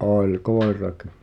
oli koirakin